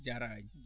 jaraani